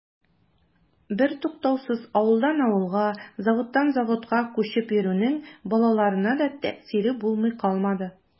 Бертуктаусыз авылдан авылга, заводтан заводка күчеп йөрүнең балаларына да тәэсире булмый калмады.